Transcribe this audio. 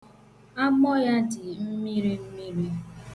Agbọ ya dị mmiri mmiri.